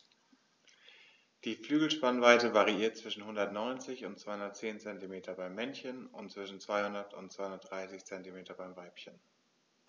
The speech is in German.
Die Flügelspannweite variiert zwischen 190 und 210 cm beim Männchen und zwischen 200 und 230 cm beim Weibchen.